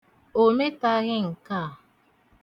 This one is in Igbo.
O metaghị nke a.